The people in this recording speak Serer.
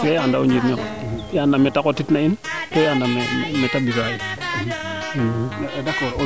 i anda o njirño nge i anda meete xotit na in to i anda meete mbisaa in